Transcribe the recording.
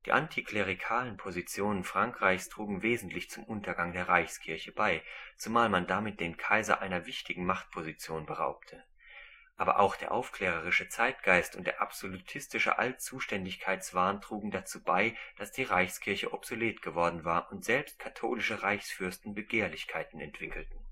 antiklerikalen Positionen Frankreichs trugen wesentlich zum Untergang der Reichskirche bei, zumal man damit den Kaiser einer wichtigen Machtposition beraubte. Aber auch der aufklärerische Zeitgeist und der absolutistische Allzuständigkeitswahn trugen dazu bei, dass die Reichskirche obsolet geworden war und selbst katholische Reichsfürsten Begehrlichkeiten entwickelten